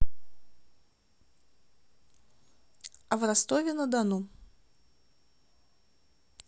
а в ростове на дону